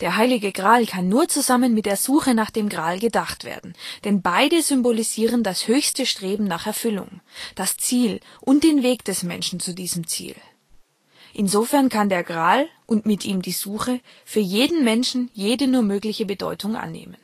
Heilige Gral kann nur zusammen mit der Suche nach dem Gral gedacht werden, denn beide symbolisieren das höchste Streben nach Erfüllung, das Ziel und den Weg des Menschen zu diesem Ziel. Insofern kann der Gral, und mit ihm die Suche, für jeden Menschen jede nur mögliche Bedeutung annehmen